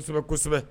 Kosɛbɛ kosɛbɛ